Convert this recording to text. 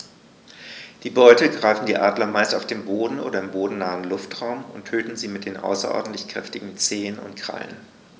Die Beute greifen die Adler meist auf dem Boden oder im bodennahen Luftraum und töten sie mit den außerordentlich kräftigen Zehen und Krallen.